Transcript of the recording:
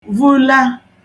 vula